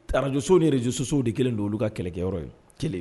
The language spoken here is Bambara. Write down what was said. Arajso nirejsosow de kelen don olu ka kɛlɛkɛyɔrɔ ye kelen